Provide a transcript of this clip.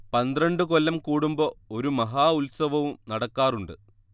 പന്ത്രണ്ടു കൊല്ലം കൂടുമ്പോ ഒരു മഹാ ഉത്സവവും നടക്കാറുണ്ട്